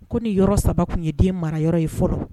Ko ni yɔrɔ saba tun ye den mara yɔrɔ ye fɔlɔ